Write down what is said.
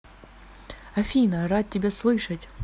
афина рад тебя слышать